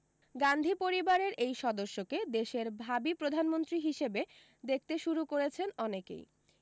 গান্ধী পরিবারের এই সদস্যকে দেশের ভাবি প্রধানমন্ত্রী হিসাবে দেখতে শুরু করেছেন অনেকই